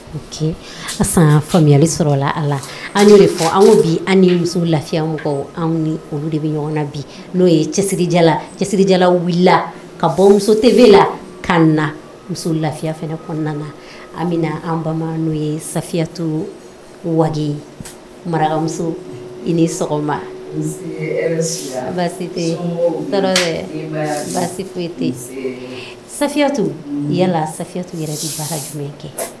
San faamuya bɛ a la an'o de fɔ anw bi an ni muso lafiya ni olu de bɛ ɲɔgɔn na bi n'o ye cɛla cɛjala wili ka bɔ musobe la ka muso lafiya fana kɔnɔna na an bɛ an ye sayatu wa marakamuso i niyayatu yalayatu yɛrɛ baara jumɛn kɛ